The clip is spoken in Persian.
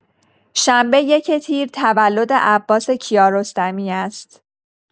شنبه ۱ تیر تولد عباس کیارستمی است.